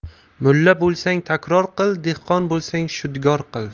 mulla bo'lsang takror qil dehqon bo'lsang shudgor qil